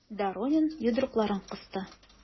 Доронин йодрыкларын кысты.